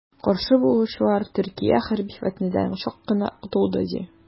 Каршы булучылар, Төркия хәрби фетнәдән чак кына котылды, ди.